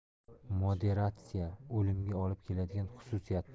moderatsiya o'limga olib keladigan xususiyatdir